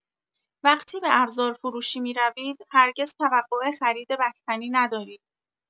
وقتی به ابزارفروشی می‌روید، هرگز توقع خرید بستنی ندارید.